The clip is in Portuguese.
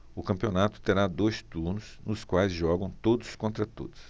o campeonato terá dois turnos nos quais jogam todos contra todos